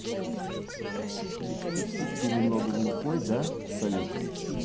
ты немного глухой да салют блин